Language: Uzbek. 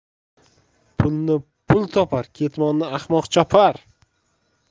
pulni pul topar ketmonni ahmoq chopar